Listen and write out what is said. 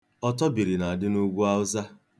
Ọtọbiri na-adị n'Ugwu Awụsa.